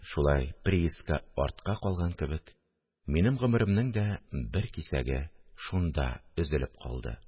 Шулай прииска артка калган кебек, минем гомеремнең дә бер кисәге шунда өзелеп калды